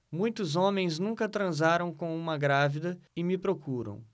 muitos homens nunca transaram com uma grávida e me procuram